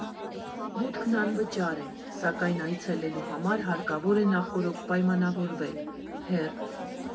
Մուտքն անվճար է, սակայն այցելելու համար հարկավոր է նախօրոք պայմանավորվել (հեռ.